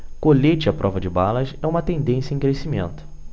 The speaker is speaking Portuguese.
colete à prova de balas é uma tendência em crescimento